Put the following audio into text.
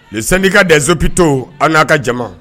le syndicat des hopiaux a n'a ka jama